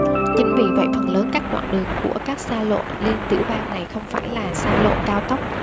chính vì vậy phần lớn các đoạn đường của các xa lộ liên tiểu bang này không phải là xa lộ cao tốc